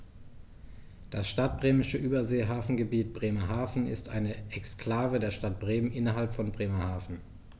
Das Stadtbremische Überseehafengebiet Bremerhaven ist eine Exklave der Stadt Bremen innerhalb von Bremerhaven.